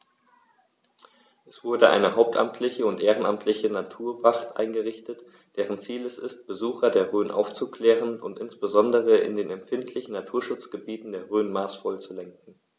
Es wurde eine hauptamtliche und ehrenamtliche Naturwacht eingerichtet, deren Ziel es ist, Besucher der Rhön aufzuklären und insbesondere in den empfindlichen Naturschutzgebieten der Rhön maßvoll zu lenken.